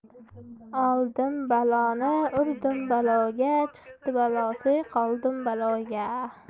oldim baloni urdim baloga chiqdi balosi qoldim baloga